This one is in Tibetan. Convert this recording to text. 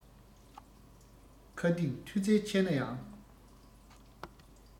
མཁའ ལྡིང མཐུ རྩལ ཆེ ན ཡང